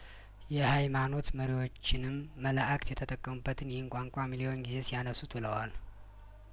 የሀይማኖት መሪዎችንም መላእክት የተጠቀሙበትን ይህን ቋንቋ ሚሊዮን ጊዜ ሲያነሱት ውለዋል